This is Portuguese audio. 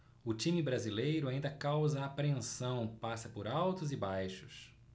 o time brasileiro ainda causa apreensão passa por altos e baixos